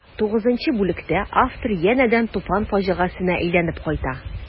Тугызынчы бүлектә автор янәдән Туфан фаҗигасенә әйләнеп кайта.